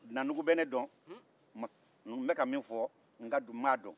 dunandugu bɛ ne dɔn n bɛ ka min fɔ n ka dugu n b'a dɔn